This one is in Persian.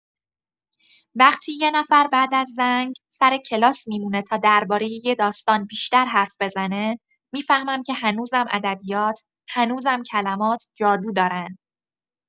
وقتی یه نفر بعد از زنگ، سر کلاس می‌مونه تا دربارۀ یه داستان بیشتر حرف بزنه، می‌فهمم که هنوزم ادبیات، هنوزم کلمات، جادو دارن.